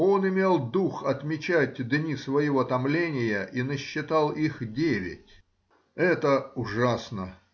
он имел дух отмечать дни своего томления и насчитал их девять. Это ужасно!